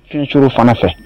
Suuru fana fɛ